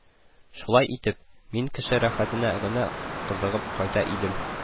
Шулай итеп, мин кеше рәхәтенә генә кызыгып кайта идем